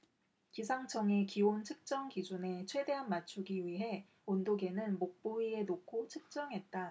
기상청의 기온 측정 기준에 최대한 맞추기 위해 온도계는 목 부위에 놓고 측정했다